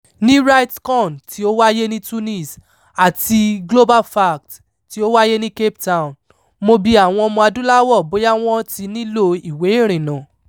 Ní RightsCon tí ó wáyé ní Tunis, àti GlobalFact tí ó wáyé ní Cape Town, mo bi àwọn Ọmọ-adúláwọ̀ bóyá wọ́n ti nílòo ìwé ìrìnnà.